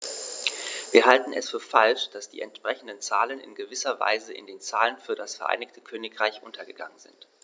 Wir halten es für falsch, dass die entsprechenden Zahlen in gewisser Weise in den Zahlen für das Vereinigte Königreich untergegangen sind.